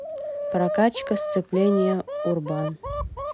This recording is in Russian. прокачка сцепления урбан